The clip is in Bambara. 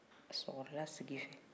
n'otɛ arabu bɔnsɔnw de don